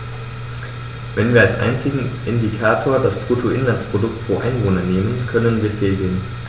Wenn wir als einzigen Indikator das Bruttoinlandsprodukt pro Einwohner nehmen, können wir fehlgehen.